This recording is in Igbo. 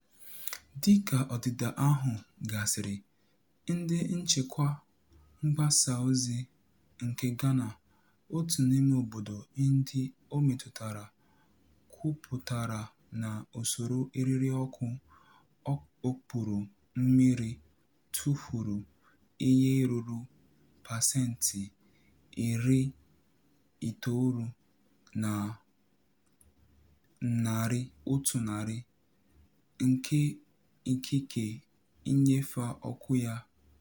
Dịka ọdịda ahụ gasịrị, ndị nchịkwa mgbasaozi nke Ghana, otu n'ime obodo ndị o metụtara, kwupụtara na usoro eririọkụ okpuru mmiri tụfuru ihe ruru pasenti 90 na 100 nke ikike nnyefe ọkụ ya.